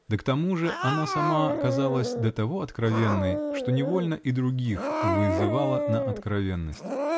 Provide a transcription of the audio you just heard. да к тому же она сама казалась до того откровенной, что невольно и других вызывала на откровенность.